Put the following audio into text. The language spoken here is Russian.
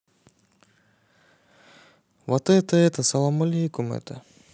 вот это это салам алейкум это